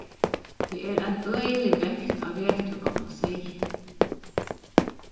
tað er ein øgilig vekt á veturgomlum seyði